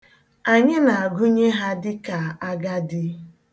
Anyị na-agụnye ha dịka agadị.